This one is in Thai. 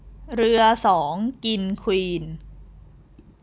เรือสองกินควีน